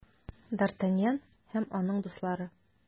Д’Артаньян һәм аның дуслары.